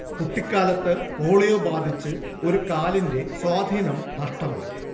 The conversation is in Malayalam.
കുട്ടിക്കാലത്ത് പോളിയോ ബാധിച്ച് ഒരു കാലിന്റെ സ്വാധീനം നഷ്ടമായി